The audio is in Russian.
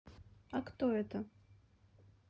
а кто это